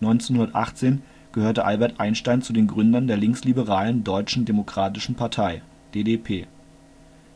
1918 gehörte Albert Einstein zu den Gründern der linksliberalen Deutschen Demokratischen Partei (DDP).